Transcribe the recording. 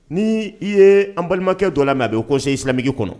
Ni i ye an balimakɛ dɔ la mɛ a bɛ kɔsɔn i silamɛingin kɔnɔ